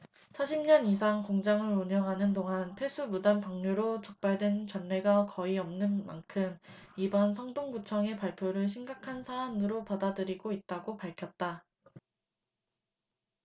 사십 년 이상 공장을 운영하는 동안 폐수 무단 방류로 적발된 전례가 거의 없는 만큼 이번 성동구청의 발표를 심각한 사안으로 받아들이고 있다고 밝혔다